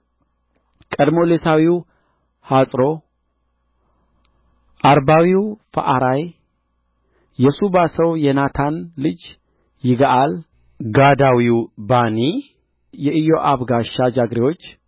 ቀርሜሎሳዊው ሐጽሮ አርባዊው ፈዓራይ የሱባ ሰው የናታን ልጅ ይግዓል ጋዳዊው ባኒ የጽሩያ ልጅ የኢዮአብ ጋሻ ጃግሬዎች